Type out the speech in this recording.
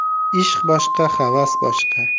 ishq boshqa havas boshqa